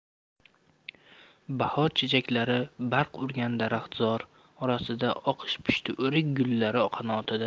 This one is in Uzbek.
bahor chechaklari barq urgan daraxtzor orasida oqish pushti o'rik gullari qanotida